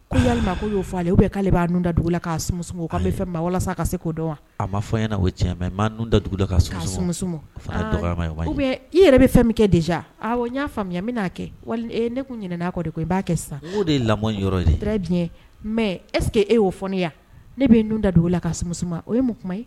Ko ya ko y'o fɔ ale bɛ k'ale b'a n da dugu la k'a' bɛ fɛ ma walasa ka se k koo dɔn wa a ma fɔ da dugu i yɛrɛ bɛ fɛn min kɛ de n y'a faamuya bɛna'a kɛ walima ne tun ɲinɛna' kɔrɔ de ko i b'a kɛ sisan o de ye lamɔ yɔrɔ mɛ esseke e y'o fɔ ne yan ne bɛ nun da dugu la kauma o ye mu kuma ye